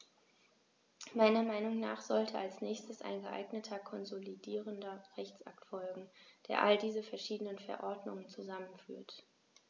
Meiner Meinung nach sollte als nächstes ein geeigneter konsolidierender Rechtsakt folgen, der all diese verschiedenen Verordnungen zusammenführt.